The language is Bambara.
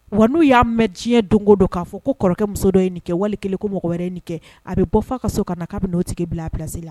Wa n'u y'a mɛn diɲɛ don o don k'a fɔ ko kɔrɔkɛ muso dɔ in nin kɛ wali kelen ko mɔgɔ wɛrɛ ye nin kɛ a bɛ bɔ fa ka so ka na k'a n'o tigi bila a bila la